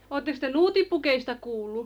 olettekos te nuuttipukeista kuullut